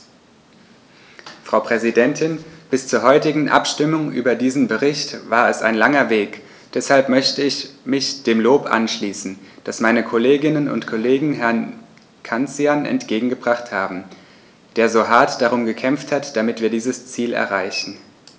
Frau Präsidentin, bis zur heutigen Abstimmung über diesen Bericht war es ein langer Weg, deshalb möchte ich mich dem Lob anschließen, das meine Kolleginnen und Kollegen Herrn Cancian entgegengebracht haben, der so hart darum gekämpft hat, damit wir dieses Ziel erreichen.